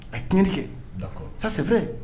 A ye tiɲɛni kɛ sa c'est vrai